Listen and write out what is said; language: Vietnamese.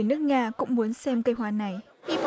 nước nga cũng muốn xem cây hoa này